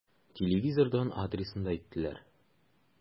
Телевизордан адресын да әйттеләр.